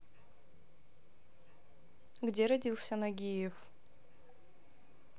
где родился нагиев